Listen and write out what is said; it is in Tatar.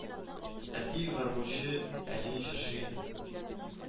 Әти гармунчы, әни җырчы иде